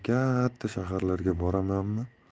kaaatta shaharlarga boramanmi